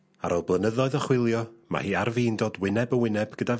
...ar ôl blynyddoedd o chwilio ma' hi ar fin dod wyneb y wyneb gyda...